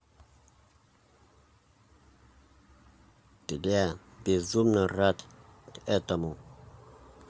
для безумно рад этому